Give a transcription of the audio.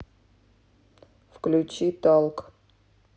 включи талк